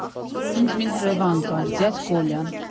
Ինձ մին հըրևվան կար, ձյաձ Կոլյան։